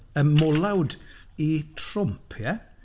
Y molawd i Trwmp, ie?